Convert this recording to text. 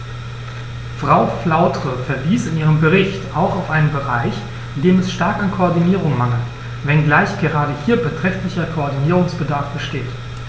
Frau Flautre verwies in ihrem Bericht auch auf einen Bereich, dem es stark an Koordinierung mangelt, wenngleich gerade hier beträchtlicher Koordinierungsbedarf besteht.